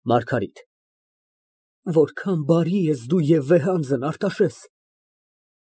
ՄԱՐԳԱՐԻՏ ֊ Որքան բարի ես դու և վեհանձն, Արտաշես։